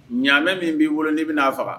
Ɲaaamɛ min b'i bolo n'i bɛna'a faga